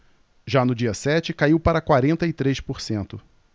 já no dia sete caiu para quarenta e três por cento